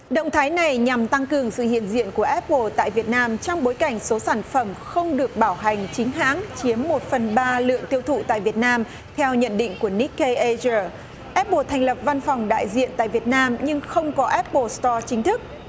động thái này nhằm tăng cường sự hiện diện của ép bồ tại việt nam trong bối cảnh số sản phẩm không được bảo hành chính hãng chiếm một phần ba lượng tiêu thụ tại việt nam theo nhận định của ních cây a giờ ép bồ thành lập văn phòng đại diện tại việt nam nhưng không có ép bồ sờ to chính thức